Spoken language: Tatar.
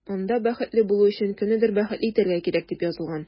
Анда “Бәхетле булу өчен кемнедер бәхетле итәргә кирәк”, дип язылган.